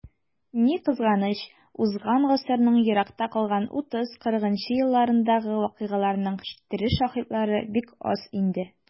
Ни кызганыч, узган гасырның еракта калган 30-40 нчы елларындагы вакыйгаларның тере шаһитлары бик аз инде.